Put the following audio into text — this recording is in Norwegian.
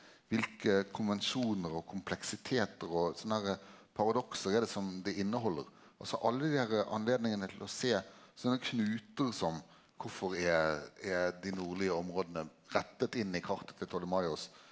kva konvensjonar og kompleksitetar og sånn herre paradoks er det som det inneheld altså alle dei derre anledningane til å sjå sånne knutar som kvifor er er dei nordlege områda retta inn i kartet til Ptolemaios?